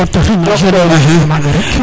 i ŋota xin o jeune la ref na maga re3k